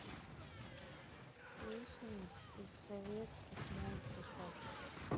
песни из советских мультиков